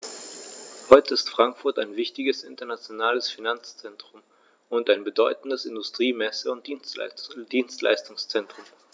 Heute ist Frankfurt ein wichtiges, internationales Finanzzentrum und ein bedeutendes Industrie-, Messe- und Dienstleistungszentrum.